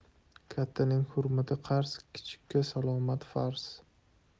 kattaning hurmati qarz kichikka salom farz